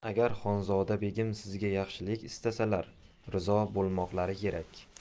agar xonzoda begim sizga yaxshilik istasalar rizo bo'lmoqlari kerak